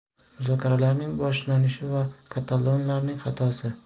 muzokaralarning boshlanishi va katalonlarning xatosi